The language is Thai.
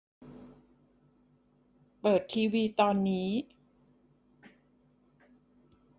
เปิดทีวีตอนนี้